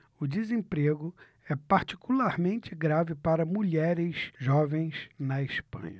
o desemprego é particularmente grave para mulheres jovens na espanha